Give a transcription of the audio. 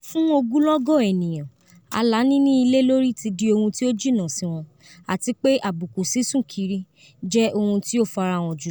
Fún ogunlọ́gọ̀ ènìyàn, alá níní ilé lórí ti di ohun tí ó jìnnà sí wọn, àtipé àbùkù sísùn kiri jẹ́ ohún tí ó farahàn jùlọ."